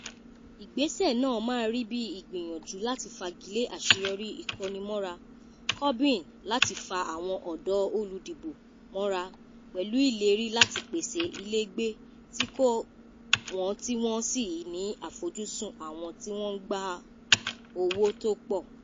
Ìgbéṣẹ́ náa máa rí bíi ìgbìyànjú láti fagilé àṣeyọrí ìkónimọ́ra Corbyn láti fa àwọn ọ̀dọ́ olùdìbò mọ́ra pẹ̀lú ìlérí láti pèsè ilégbèé tí kò wọ́n tí wọ́n sì ní àfojúsun àwọn tí wọ́n ń gba owó tó pọ̀.